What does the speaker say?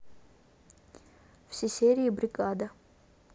все серии бригада